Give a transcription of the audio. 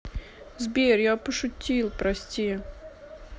сбер я пошутил прости